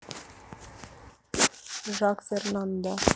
жак фернандо